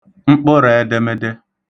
mkpə̣rẹ̄ēdēmēdē